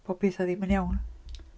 Bod pethau ddim yn iawn.